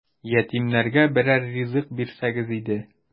Ятимнәргә берәр ризык бирсәгез иде! ..